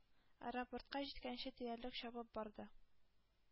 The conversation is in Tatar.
Аэропортка җиткәнче диярлек чабып барды.